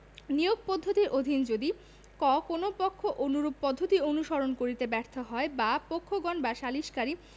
নিয়োগ পদ্ধতির অধীন যদি ক কোন পক্ষ অনুরূপ পদ্ধতি অনুসরণ করিতে ব্যর্থ হয় বা খ পক্ষগণ বা সালিসকারী